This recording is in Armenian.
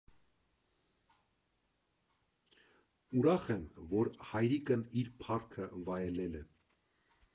Ուրախ եմ, որ հայրիկն իր փառքը վայելել է։